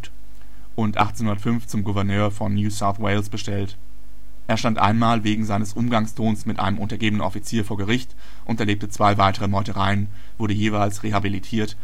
Gouverneur von New South Wales bestellt. Er stand einmal wegen seines Umgangstons mit einem untergebenen Offizier vor Gericht und erlebte zwei weitere Meutereien, wurde jeweils rehabilitiert